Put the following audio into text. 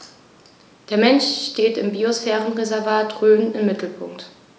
Der Mensch steht im Biosphärenreservat Rhön im Mittelpunkt.